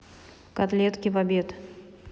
котлетки в обед